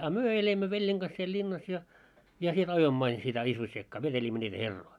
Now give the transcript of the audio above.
a me elimme veljen - siellä linnassa ja ja siellä ajoimme aina sitä isvossiekkaa vetelimme niitä herroja